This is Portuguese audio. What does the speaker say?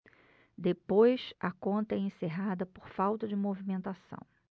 depois a conta é encerrada por falta de movimentação